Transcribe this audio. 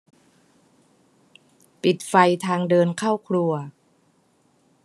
ปิดไฟทางเดินเข้าครัว